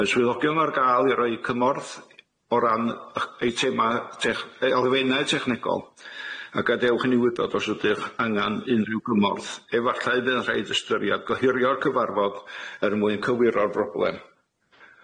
Mae swyddogion ar ga'l i roi cymorth o ran yy eitema tech- yy elfennau technegol ag adewch i ni wybod os ydych angan unrhyw gymorth efallai bydd yn rhaid ystyriad gohirio'r cyfarfod er mwyn cywiro'r broblem.